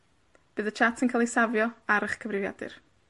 Bydd y chat yn cael ei safio ar 'ych cyfrifiadur.